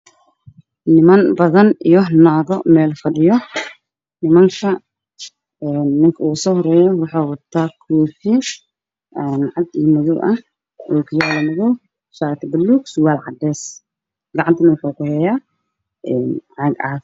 Waa niman badan iyo naago meel fadhiyo. ninka ugu soo horeeyo waxuu wataa koofi cadaan iyo madow, ookiyaalo madow ah, shaati buluug iyo surwaal cadeys ah, gacanta waxuu kuhayaa caag caafi ah.